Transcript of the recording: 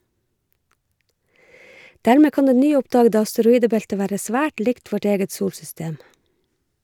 Dermed kan det nyoppdagede asteroidebelte være svært likt vårt eget solsystem.